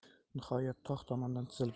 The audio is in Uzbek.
nihoyat tog' tomondan tizilib